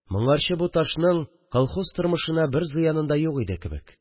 Моңарчы бу ташның колхоз тормышына бер зыяны да юк иде кебек